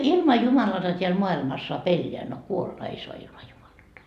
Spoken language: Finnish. ilman Jumalatta täällä maailmassa saa elää no kuolla ei saa ilman Jumalatta